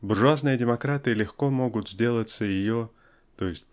Буржуазные демократы легко могут сделаться еЁ (т. е.